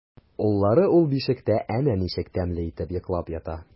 Уллары ул бишектә әнә ничек тәмле итеп йоклап ята!